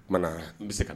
O n bɛ se ka na